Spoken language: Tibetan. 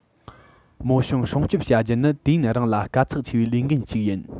རྨོ ཞིང སྲུང སྐྱོང བྱ རྒྱུ ནི དུས ཡུན རིང ལ དཀའ ཚེགས ཆེ བའི ལས འགན ཞིག ཡིན